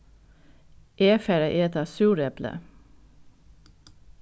eg fari at eta súreplið